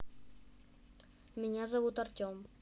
меня зовут артем